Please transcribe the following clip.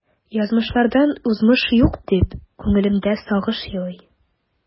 Язмышлардан узмыш юк, дип күңелемдә сагыш елый.